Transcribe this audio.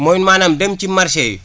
mooy maanaam dem ci marché yi